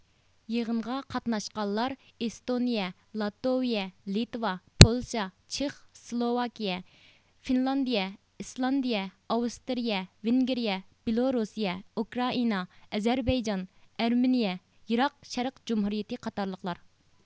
يىغىنغا قاتناشقانلار ئېستونىيە لاتوۋىيە لىتۋا پولشا چېخ سلوۋاكىيە فىنلاندىيە ئىسلاندىيە ئاۋسترىيە ۋېنگرىيە بىلوروسىيە ئوكرائىنا ئەزەربەيجان ئەرمىنىيە يىراق شەرق جۇمھۇرىيىتى قاتارلىقلار